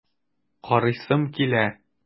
Карыйсым килә!